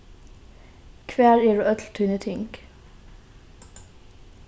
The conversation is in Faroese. hvar eru øll tíni ting